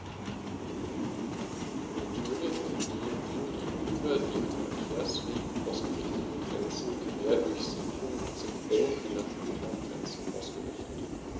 In Thüringen gehen dem gegenüber die an Verkehrswegen ausgerichteten Grenzen quer durch Siedlungen und sind eng an Naturraumgrenzen ausgerichtet.